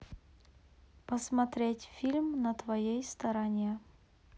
посмотреть фильм на твоей стороне